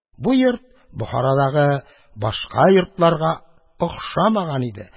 Бу йорт Бохарадагы башка йортларга охшамаган иде